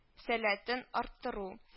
Сәләтен арттыру